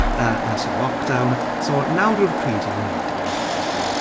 Yy yn ystod lockdown so nawr yw'r pryd i fi wneud o, fi'n credu.